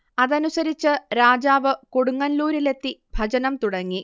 അതനുസരിച്ച് രാജാവ് കൊടുങ്ങല്ലൂരിലെത്തി ഭജനം തുടങ്ങി